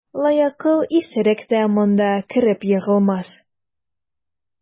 Лаякыл исерек тә монда кереп егылмас.